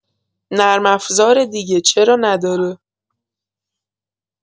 نرم افزاره دیگه، چرا نداره!